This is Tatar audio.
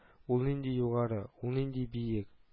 Ул нинди югары, ул нинди биек